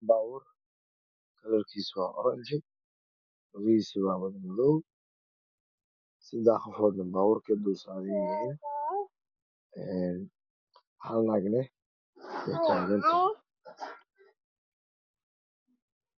Baabur kslarkis waa orji lugahis waa madow sedax qof baburka ayey dulsara yahiin halnag wey tagan tayah